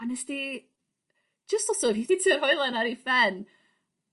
On' nest ti jyst hitio'r hoelen ar ei ben